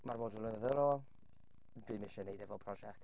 Ma'r modiwl yn ddiddorol, ond dwi'm isie wneud e fel prosiect.